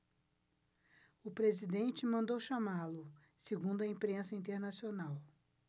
o presidente mandou chamá-lo segundo a imprensa internacional